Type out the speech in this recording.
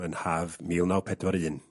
...yn haf mil naw pedwar un.